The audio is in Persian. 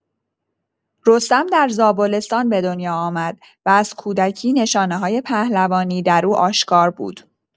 رستم در زابلستان به دنیا آمد و از کودکی نشانه‌های پهلوانی در او آشکار بود.